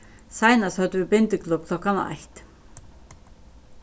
seinast høvdu vit bindiklubb klokkan eitt